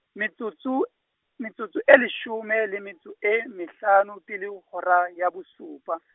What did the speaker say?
metsotso, metsotso e leshome le metso e mehlano pele ho hora ya bosupa.